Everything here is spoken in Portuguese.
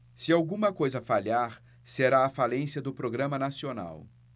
se alguma coisa falhar será a falência do programa nacional